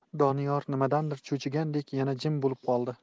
doniyor nimadandir cho'chigandek yana jim bo'lib qoldi